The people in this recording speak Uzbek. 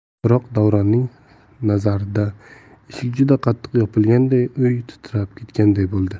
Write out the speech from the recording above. biroq davronning nazarida eshik juda qattiq yopilganday uy titrab ketganday bo'ldi